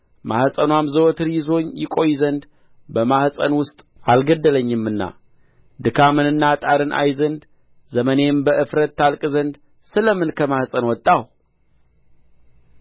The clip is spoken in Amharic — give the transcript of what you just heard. ማኅፀንዋም ዘወትር ይዞኝ ያቆይ ዘንድ በማኅፀን ውስጥ አልገደለኝምና ድካምንና ጣርን አይ ዘንድ ዘመኔም በእፍረት ታልቅ ዘንድ ስለ ምን ከማኅፀን ወጣሁ